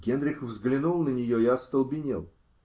Генрих взглянул на нее и остолбенел.